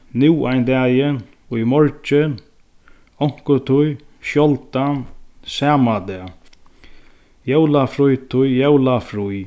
nú ein dagin í morgin onkuntíð sjáldan sama dag jólafrítíð jólafrí